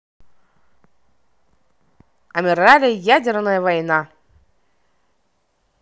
амирали ядерная война